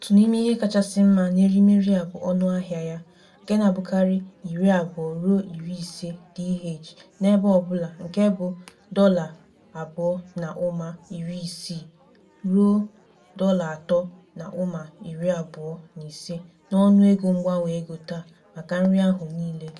Otu n'ime ihe kachasị mma n'erimeri a bụ ọnụahịa ya, nke na-abụkarị 20-25 DH n'ebe ọbụla nke bụ $ 2.60-3.25 n'ọnụego mgbanwe ego taa- maka nri ahụ niile!